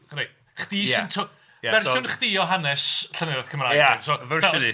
Reit chdi sy'n t- fersiwn chdi o hanes Llenyddiaeth Cymraeg... Ia, fersiwn i.